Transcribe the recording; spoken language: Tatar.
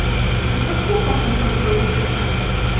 Кызык бу хатын-кыз логикасы.